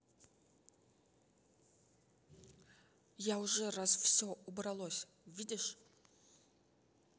я уже раз все убралось видишь